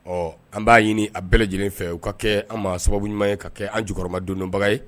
Ɔ an b'a ɲini a bɛɛ lajɛlen fɛ u ka kɛ an ma sababu ɲuman ye ka kɛ an jukɔrɔmadonbaga ye